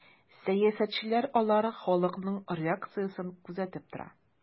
Сәясәтчеләр алар халыкның реакциясен күзәтеп тора.